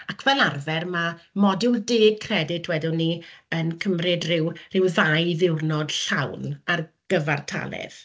Ac fel arfer, ma' modiwl deg credyd wedwn ni yn cymryd ryw ryw ddau ddiwrnod llawn ar gyfartaledd.